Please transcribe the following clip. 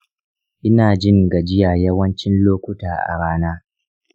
ina jin gajiya yawancin lokuta a rana